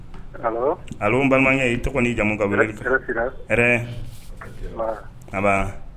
Allo allo N balimakɛ i tɔgɔ ni jamu ka weleli kɛ ka bɔ min?